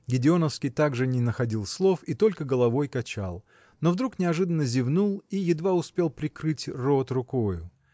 Гедеоновский также не находил слов и только головой качал, -- но вдруг неожиданно зевнул и едва успел прикрыть рот рукою.